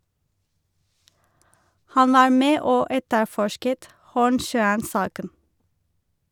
Han var med og etterforsket Hornsjøen-saken.